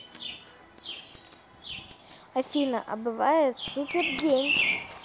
афина а бывает супер день